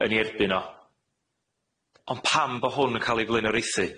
yn 'i erbyn o. Ond pam bo' hwn yn ca'l ei flaenoraethu?